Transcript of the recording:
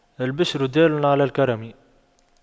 الْبِشْرَ دال على الكرم